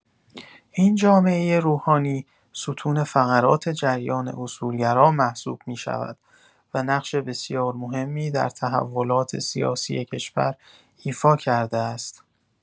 این جامعه روحانی، ستون فقرات جریان اصولگرا محسوب می‌شود و نقش بسیار مهمی در تحولات سیاسی کشور ایفا کرده است.